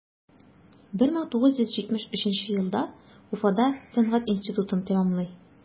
1973 елда уфада сәнгать институтын тәмамлый.